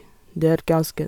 Det er ganske...